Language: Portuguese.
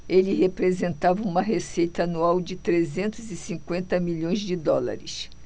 ele representava uma receita anual de trezentos e cinquenta milhões de dólares